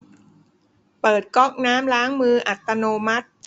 เปิดก๊อกน้ำล้างมืออัตโนมัติ